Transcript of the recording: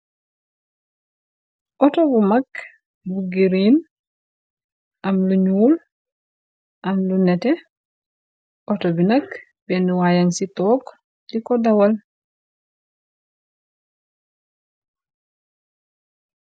Oto bu mag bu giriin am lu ñyul am lu nete. Oto bi nakk benn waayan ci took di ko dawal.